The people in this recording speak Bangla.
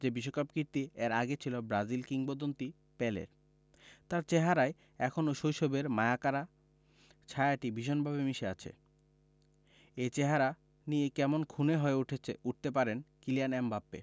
যে বিশ্বকাপ কীর্তি এর আগে ছিল ব্রাজিল কিংবদন্তি পেলের তাঁর চেহারায় এখনো শৈশবের মায়াকাড়া ছায়াটি ভীষণভাবে মিশে আছে এই চেহারা নিয়ে কেমন খুনে হয়ে উটেছে উঠতে পারেন কিলিয়ান এমবাপ্পে